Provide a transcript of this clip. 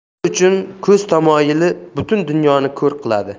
ko'z uchun ko'z tamoyili butun dunyoni ko'r qiladi